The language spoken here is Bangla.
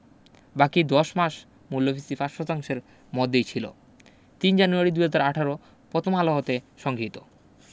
বাকি ১০ মাস মূল্যস্ফীতি ৫ শতাংশের মধ্যেই ছিল ০৩ জানুয়ারি ২০১৮ পথম আলো হতে সংগিহীত